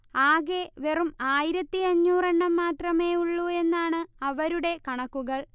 ആകെ വെറും ആയിരത്തിയഞ്ഞൂറ് എണ്ണം മാത്രമേ ഉള്ളൂ എന്നാണ് അവരുടെ കണക്കുകൾ